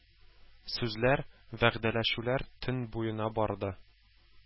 Сүзләр, вәгъдәләшүләр төн буена барды.